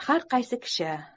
har qaysi kishi